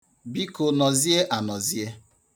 Biko nọzie anọzie.